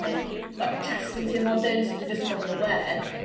neu fel ma' chest fi'n teimlo'n dyn so dwi jest yn bod yn aware